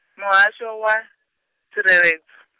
muhasho wa, tsireledzo.